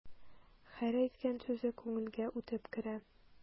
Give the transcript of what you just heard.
Һәр әйткән сүзе күңелгә үтеп керә.